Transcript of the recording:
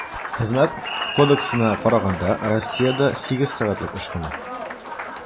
Хезмәт кодексына караганда, Россиядә сигез сәгатьлек эш көне.